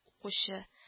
Укучы